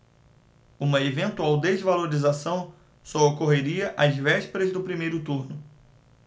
uma eventual desvalorização só ocorreria às vésperas do primeiro turno